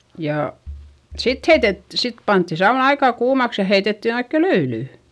ja sitten - sitten pantiin sauna aika kuumaksi ja heitettiin oikein löylyä